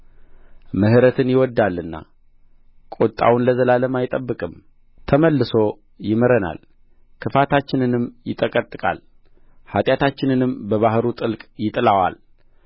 ምሕረትን ይወድዳልና ቍጣውን ለዘላለም አይጠብቅም ተመልሶ ይምረናል ክፋታችንንም ይጠቀጥቃል ኃጢአታችንንም በባሕሩ ጥልቅ ይጥለዋል